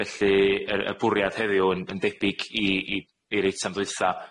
Felly yr- y bwriad heddiw, yn yn debyg i i i'r eitem ddwytha,